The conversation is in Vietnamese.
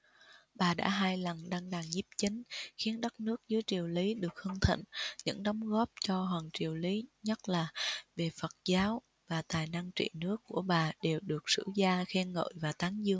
bà đã hai lần đăng đàn nhiếp chính khiến đất nước dưới triều lý được hưng thịnh những đóng góp cho hoàng triều lý nhất là về phật giáo và tài năng trị nước của bà đều được sử gia khen ngợi và tán dương